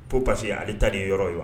P parce queseke ale ta de ye yɔrɔ ye wa